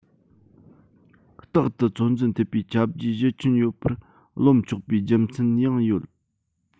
རྟག ཏུ ཚོད འཛིན ཐེབས པའི ཁྱབ རྒྱའི གཞི ཁྱོན ཡོད པར རློམ ཆོག པའི རྒྱུ མཚན ཡང ཡོད